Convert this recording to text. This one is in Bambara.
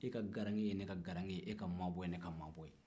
e ka garange o ye ne ka garange ye e ka mabɔ ye ne ka mabɔ ye